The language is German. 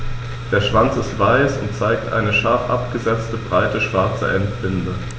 Der Schwanz ist weiß und zeigt eine scharf abgesetzte, breite schwarze Endbinde.